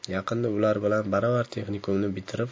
yaqinda ular bilan baravar texnikumni bitirib